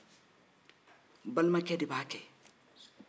balimakɛ de b'a kɛ